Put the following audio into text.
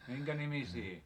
minkä nimisiä